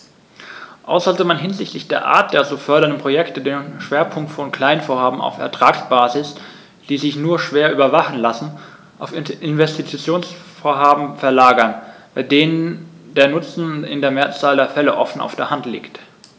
Auch sollte man hinsichtlich der Art der zu fördernden Projekte den Schwerpunkt von Kleinvorhaben auf Ertragsbasis, die sich nur schwer überwachen lassen, auf Investitionsvorhaben verlagern, bei denen der Nutzen in der Mehrzahl der Fälle offen auf der Hand liegt.